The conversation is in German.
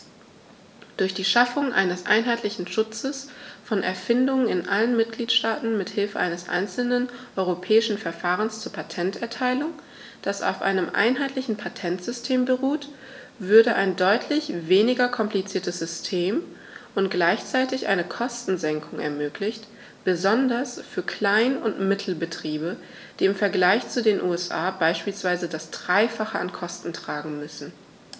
Durch die Schaffung eines einheitlichen Schutzes von Erfindungen in allen Mitgliedstaaten mit Hilfe eines einzelnen europäischen Verfahrens zur Patenterteilung, das auf einem einheitlichen Patentsystem beruht, würde ein deutlich weniger kompliziertes System und gleichzeitig eine Kostensenkung ermöglicht, besonders für Klein- und Mittelbetriebe, die im Vergleich zu den USA beispielsweise das dreifache an Kosten tragen müssen.